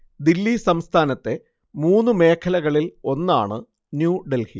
ദില്ലി സംസ്ഥാനത്തെ മൂന്നു മേഖലകളിൽ ഒന്നാണ് ന്യൂ ഡെൽഹി